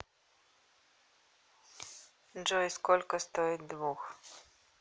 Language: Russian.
джой сколько стоит двух